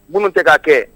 Minnu tɛ ka kɛ